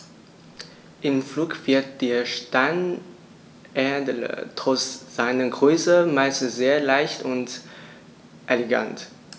Im Flug wirkt der Steinadler trotz seiner Größe meist sehr leicht und elegant.